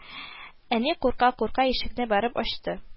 Әни, курка-курка, ишекне барып ачты